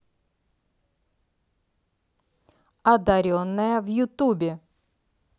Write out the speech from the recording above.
одаренная в ютубе